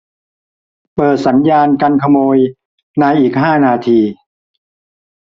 เปิดสัญญาณกันขโมยในอีกห้านาที